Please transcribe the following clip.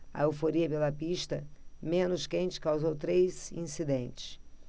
a euforia pela pista menos quente causou três incidentes